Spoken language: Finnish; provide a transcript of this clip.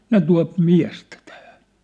ne tuo miestä tähän